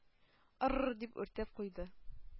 - ыр-р-р! – дип, үртәп куйды.